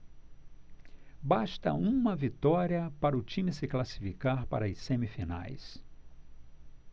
basta uma vitória para o time se classificar para as semifinais